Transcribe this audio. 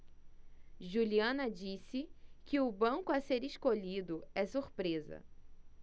juliana disse que o banco a ser escolhido é surpresa